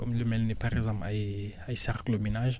comme lu mel ni par exemple ay ay sarcluménage